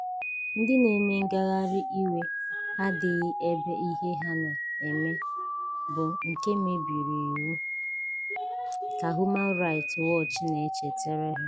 Ndị na-eme ngagharị iwe adịghị ebe ihe ha na-eme bụ nke mebiri iwu, ka Human Right Watch na-echetara ha: